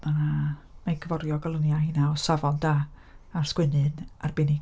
A mae 'na... mae'n gyforiog o luniau a rheini o safon da a'r sgwennu'n arbennig.